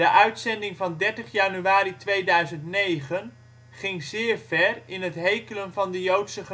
uitzending van 30 januari 2009 ging zeer ver in het hekelen van de Joodse